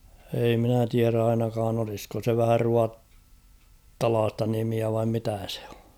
ei minä tiedä ainakaan olisiko se vähän ruotsalaista nimiä vain mitä se on